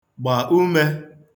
gbà umē